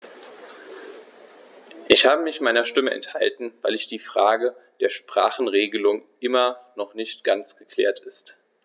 Ich habe mich meiner Stimme enthalten, weil die Frage der Sprachenregelung immer noch nicht ganz geklärt ist.